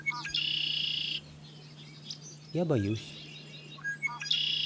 я боюсь